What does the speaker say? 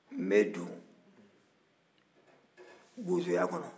n bɛ don bozoya kɔnɔ